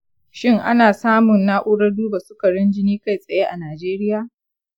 shin ana samun na’urar duba sukarin jini kai tsaye a najeriya?